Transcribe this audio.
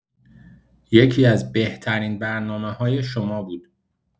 یکی‌از بهترین برنامه‌‌های شما بود.